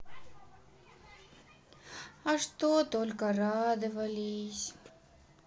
а что только радовались